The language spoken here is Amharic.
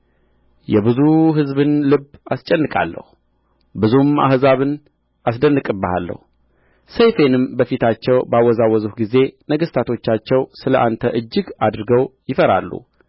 የብዙ ሕዝብን ልብ አስጨንቃለሁ ብዙም አሕዛብን አስደንቅብሃለሁ ሰይፌንም በፊታቸው ባወዛወዝሁ ጊዜ ነገሥታቶቻቸው ስለ አንተ እጅግ አድርገው ይፈራሉ